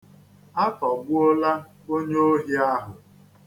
A tọgbuola onye ohi ahụ.